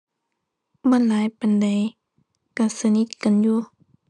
บ่หลายปานใด ก็สนิทกันอยู่